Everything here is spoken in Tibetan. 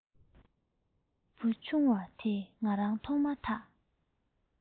བུ ཆུང བ དེས ང རང མཐོང མ ཐག